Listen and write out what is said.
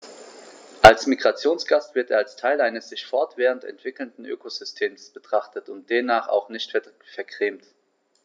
Als Migrationsgast wird er als Teil eines sich fortwährend entwickelnden Ökosystems betrachtet und demnach auch nicht vergrämt.